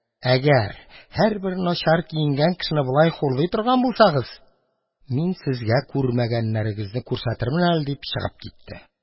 «әгәр һәрбер начар киенгән кешене болай хурлый торган булсагыз, мин сезгә күрмәгәннәрегезне күрсәтермен әле», – дип чыгып китте.